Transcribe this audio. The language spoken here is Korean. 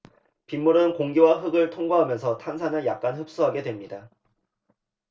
빗물은 공기와 흙을 통과하면서 탄산을 약간 흡수하게 됩니다